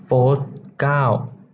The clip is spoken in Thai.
โฟธเก้า